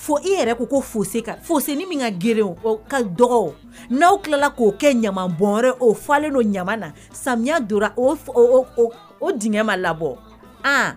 Fo i yɛrɛ ko ko fosi kan fose ni min ka g o ka dugawu dɔgɔw n'aw tilala k'o kɛ ɲama bɔnɛ o falenlen o ɲama na samiya donnara o o diɲɛ ma labɔ